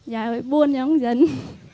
dạ buồn chứ không giận